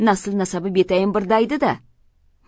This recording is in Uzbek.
nasl nasabi betayin bir daydi da